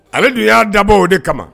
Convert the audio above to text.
Ale dun y'a dabɔ o de kama